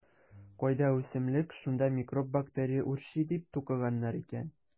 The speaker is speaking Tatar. Кайда үсемлек - шунда микроб-бактерия үрчи, - дип тукыганнар икән.